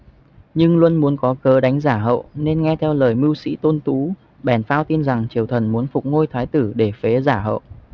nhưng luân muốn có cớ đánh giả hậu nên nghe theo lời mưu sĩ tôn tú bèn phao tin rằng triều thần muốn phục ngôi thái tử để phế giả hậu